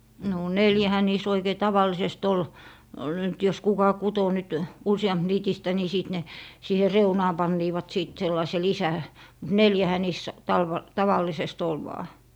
no neljähän niissä oikein tavallisesti oli nyt jos kuka kutoi nyt - useampiniitistä niin sitten ne siihen reunaan panivat sitten sellaisen - mutta neljähän niissä - tavallisesti oli vain